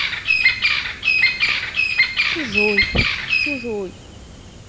чужой чужой